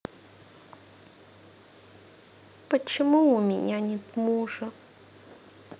почему у меня нет мужа